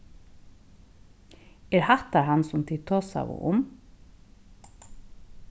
er hatta hann sum tit tosaðu um